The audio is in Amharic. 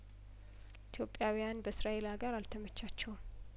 ኢትዮጵያዊያን በእስራኤል ሀገር አልተመቻቸውም